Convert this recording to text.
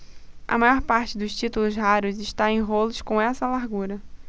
a maior parte dos títulos raros está em rolos com essa largura